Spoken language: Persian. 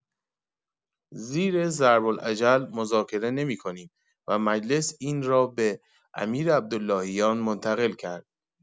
زیر ضرب‌الاجل مذاکره نمی‌کنیم و مجلس این را به امیرعبداللهیان منتقل کرد.